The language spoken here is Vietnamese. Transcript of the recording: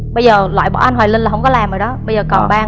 bây giờ loại bỏ anh hoài linh là không có làm ở đó bây giờ còn ba